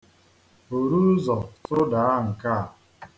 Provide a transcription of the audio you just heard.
Buru ụzọ tụdaa nke a.